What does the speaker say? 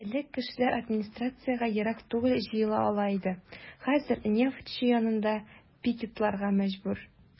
Элек кешеләр администрациягә ерак түгел җыела ала иде, хәзер "Нефтьче" янында пикетларга мәҗбүр.